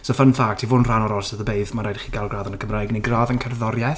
So fun fact i fod yn rhan o'r Orsedd y beirdd, ma' raid i chi cael gradd yn y Gymraeg neu gradd yn cerddoriaeth?